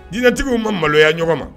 Ɲintigiw ma maloya ɲɔgɔn ma